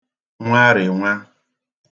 nwarị̀nwa